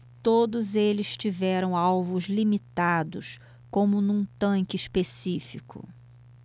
todos eles tiveram alvos limitados como um tanque específico